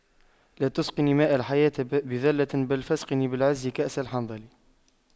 لا تسقني ماء الحياة بذلة بل فاسقني بالعز كأس الحنظل